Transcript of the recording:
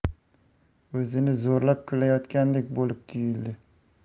o'zini zo'rlab kulayotgandek bo'lib tuyuldi